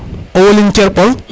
o wolin cer ɓor